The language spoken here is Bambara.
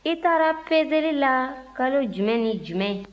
i taara peseli la kalo jumɛn ni jumɛn